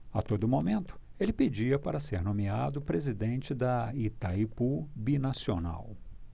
a todo momento ele pedia para ser nomeado presidente de itaipu binacional